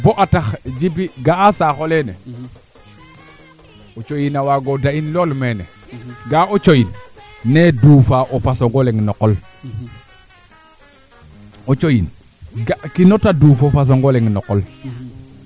walay a jega o qoro leŋo nga i ngenit na o ga'a ngaan sax waagiro fooge a jega ndeet laxa leene ndaa ba leyoonga ye nangam keeke me i njofa keke na sax jeg kaa teen